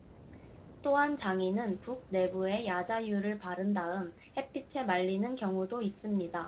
또한 장인은 북 내부에 야자유를 바른 다음 햇빛에 말리는 경우도 있습니다